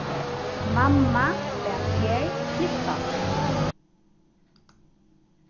mamma bað per klippa sær